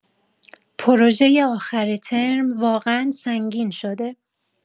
پروژه آخر ترم واقعا سنگین شده